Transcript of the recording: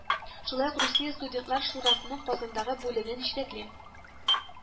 Шулай ук Русия студентлар шурасының Казандагы бүлеген җитәклим